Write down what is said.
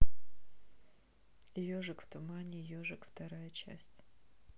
ежик в тумане ежик вторая часть